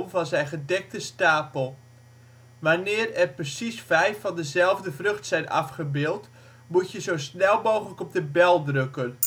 van zijn gedekte stapel. Wanneer er precies 5 van dezelfde vrucht zijn afgebeeld moet je zo snel mogelijk op de bel drukken